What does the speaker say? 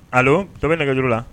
A to bɛ nɛgɛj la